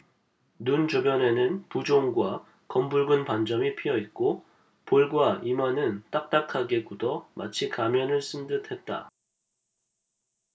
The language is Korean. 눈 주변에는 부종과 검붉은 반점이 피어 있고 볼과 이마는 딱딱하게 굳어 마치 가면을 쓴 듯했다